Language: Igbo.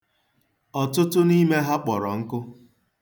Ọtụtụ n'ime ha kpọrọ nkụ.